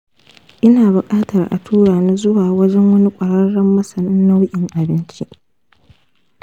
ina buƙatar a tura ni zuwa wajen wani ƙwararren masanin nau'in abinci.